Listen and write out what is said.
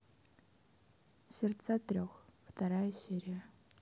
сердца трех вторая серия